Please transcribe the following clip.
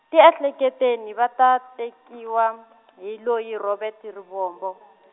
tiehleketeni va ta, tekiwa, hi loyi Robert Rivombo.